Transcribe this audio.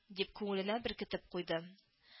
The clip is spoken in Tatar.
Дип күңеленә беркетеп куйды